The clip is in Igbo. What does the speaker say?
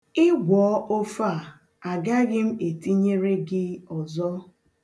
Ị gwọọ ofe a, agaghị m etinyere gị ọzọ.